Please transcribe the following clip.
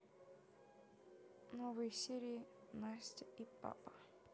новые серии настя и папа